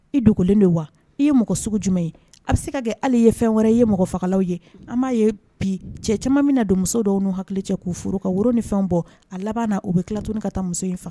I dogolen de wa i ye mɔgɔ sugu jumɛn ye a bɛ se ka kɛ hali ye fɛn wɛrɛ ye ye mɔgɔ faga ye an m' ye bi cɛ caman min na don muso dɔw n'u hakili cɛ k'u furu ka woro ni fɛn bɔ a laban' u bɛ tilalat ka taa muso in faga